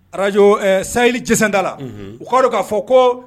Arazj sayili jɛda la u kaa don k'a fɔ ko